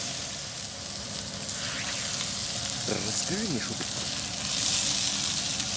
расскажи мне шуточку